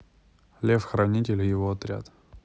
лев хранитель и его отряд